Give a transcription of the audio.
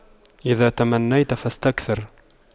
إذا تمنيت فاستكثر